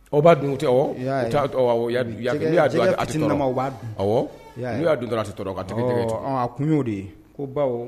Aw b'a n'u y'a dun dɔrɔn a tɛ tɔrɔ ka kun, ka tigɛ tigɛ, ɔ a kun y'o de ye ko bawo